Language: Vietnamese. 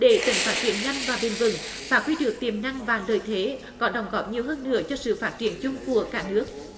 để tỉnh phát triển nhanh và bền vững phát huy được tiềm năng và lợi thế có đóng góp nhiều hơn nữa cho sự phát triển chung của cả nước